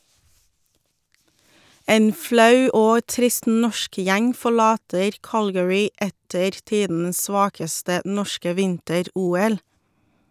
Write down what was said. En flau og trist norsk gjeng forlater Calgary etter tidenes svakeste norske vinter-OL.